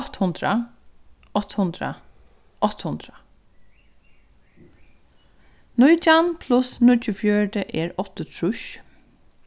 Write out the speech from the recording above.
átta hundrað átta hundrað átta hundrað nítjan pluss níggjuogfjøruti er áttaogtrýss